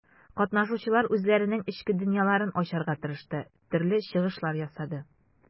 Катнашучылар үзләренең эчке дөньяларын ачарга тырышты, төрле чыгышлар ясады.